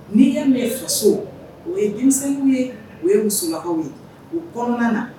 N'i ye mɛ faso o ye denmisɛnww ye o ye musomanyakaww ye o kɔnɔna na